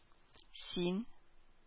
Син